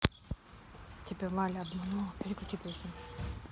тебя валя обманула переключи песню